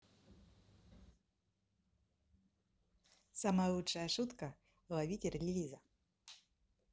самая лучшая шутка ловитель релиза